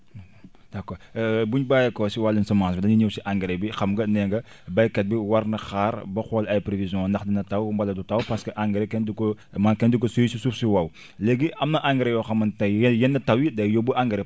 d' accord bu ñu bàyyeekoo si wàllum semence bi dañuy ñëw si engrais bi xam nga nee nga béykat bi war na xaar ba xool ay prévisions ndax na taw wala du taw parce que engrais kenn du ko maa kenn du ko suy ci suuf su wow léegi am na engrais yoo xamante yenn taw yi day yóbbu engrais